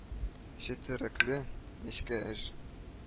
Четерекле, нечкә эш